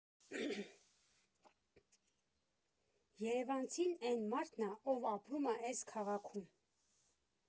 Երևանցին էն մարդն ա, ով ապրում ա էս քաղաքում։